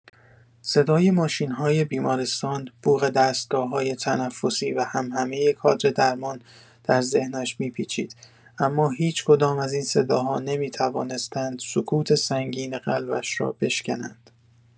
صدای ماشین‌های بیمارستان، بوق دستگاه‌های تنفسی و همهمه کادر درمان در ذهنش می‌پیچید، اما هیچ‌کدام از این صداها نمی‌توانستند سکوت سنگین قلبش را بشکنند.